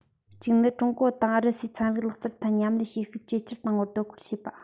གཅིག ནི ཀྲུང གོ དང ཨུ རུ སུས ཚན རིག ལག རྩལ ཐད མཉམ ལས བྱེད ཤུགས ཇེ ཆེར བཏང བར དོ ཁུར བྱས པ